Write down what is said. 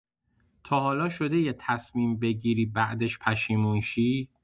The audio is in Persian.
تا حالا شده یه تصمیم بگیری بعدش پشیمون شی؟